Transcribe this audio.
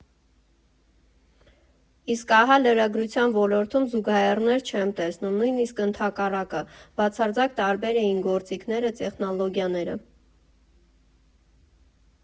Իսկ ահա լրագրության ոլորտում զուգահեռներ չեմ տեսնում, նույնիսկ ընդհակառակը, բացարձակ տարբեր էին գործիքները, տեխնոլոգիաները։